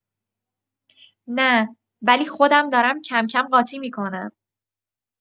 نه، ولی خودم دارم کم‌کم قاطی می‌کنم.